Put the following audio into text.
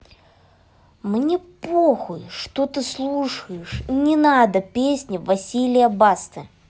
мне похуй что ты слушаешь не надо песни василия басты